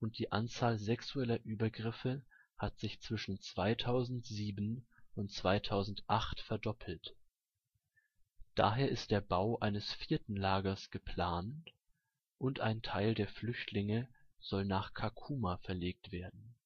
die Anzahl sexueller Übergriffe hat sich zwischen 2007 und 2008 verdoppelt. Daher ist der Bau eines vierten Lagers geplant, und ein Teil der Flüchtlinge soll nach Kakuma verlegt werden